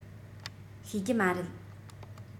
ཤེས རྒྱུ མ རེད